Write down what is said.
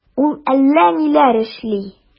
Ул әллә ниләр эшли...